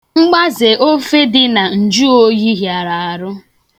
Mgbaze ofe dị na njuoyi hịara arụ.